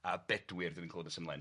a Bedwyr 'dan ni'n clwad nes ymlaen.